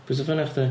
Pwy sy'n ffonio chdi?